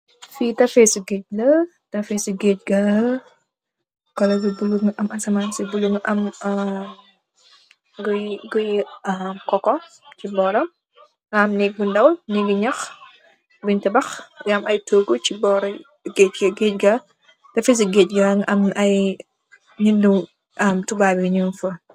Fii tefesi geege la, kolëër bu bulo, nga am ay guy i,ci bóoram, nga am neek bu ndaw, neek gi, ñax buñ tabax, ci bóor i, geege gi. Tefesi geege gi mu ngi am tubaab.